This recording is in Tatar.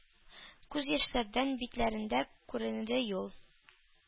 Күз яшьләрдән битләрендә күренде юл;